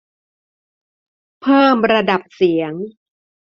เพิ่มระดับเสียง